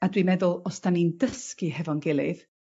A dwi meddwl os 'dan ni'n dysgu hefo'n gilydd